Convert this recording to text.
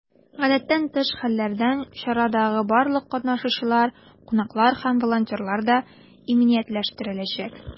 Гадәттән тыш хәлләрдән чарадагы барлык катнашучылар, кунаклар һәм волонтерлар да иминиятләштереләчәк.